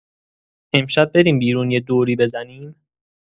امشب بریم بیرون یه دوری بزنیم؟